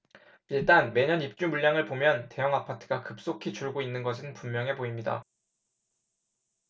일단 매년 입주 물량을 보면 대형아파트가 급속히 줄고 있는 것은 분명해 보입니다